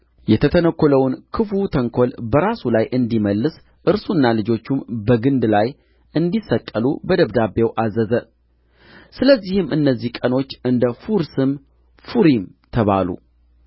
የተተነኰለው ክፉ ተንኰል በራሱ ላይ እንዲመለስ እርሱና ልጆቹም በግንድ ላይ እንዲሰቀሉ በደብዳቤው አዘዘ ስለዚህም እነዚህ ቀኖች እንደ ፉር ስም ፉሪም ተባሉ